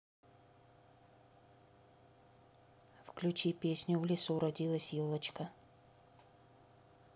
включи песню в лесу родилась елочка